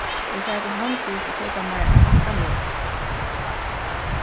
eg fari til handils at keypa mær ein pakka av mjólk